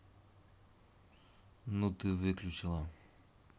ну ты выключила